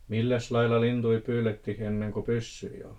milläs lailla lintuja pyydettiin ennen kuin pyssyjä oli